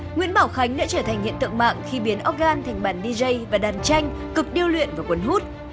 nguyễn bảo khánh đã trở thành hiện tượng mạng khi biến ốc gan thành bàn đi dây và đàn tranh cực điêu luyện và cuốn hút